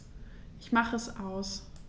Ich mache es aus.